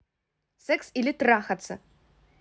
секс или трахаться